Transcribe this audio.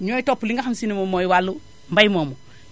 ñooy topp li nga xam si ne moom mooy wàllu mbay moomu